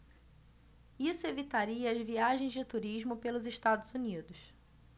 isso evitaria as viagens de turismo pelos estados unidos